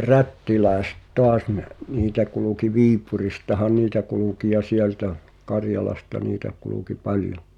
rättiläiset taas niin niitä kulki Viipuristahan niitä kulki ja sieltä Karjalasta niitä kulki paljon